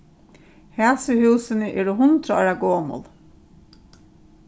hasi húsini eru hundrað ára gomul